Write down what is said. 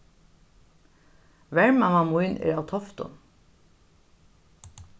vermamma mín er av toftum